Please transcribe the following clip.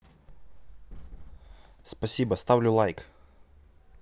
спасибо ставлю лайк